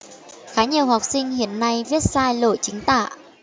khá nhiều học sinh hiện nay viết sai lỗi chính tả